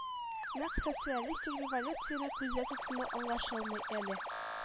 Нәкъ социалистик революцияне күздә тотуны аңлашылмый әле